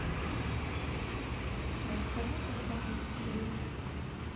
расскажу когда потеплеет